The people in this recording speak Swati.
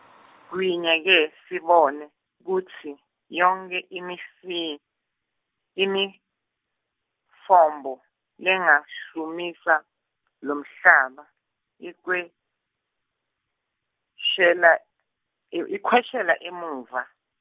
Gwinya ke, sibone, kutsi, yonkhe imifi-, imitfombo, lengahlumisa, lomhlaba, ikhweshela, i, ikhweshela emuva.